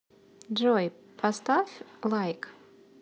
джой поставь лайк